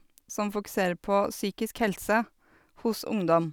Som fokuserer på psykisk helse hos ungdom.